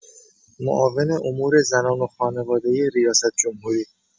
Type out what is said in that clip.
معاون امور زنان و خانواده ریاست‌جمهوری